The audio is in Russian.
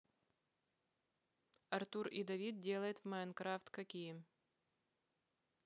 артур и давид делает в minecraft какие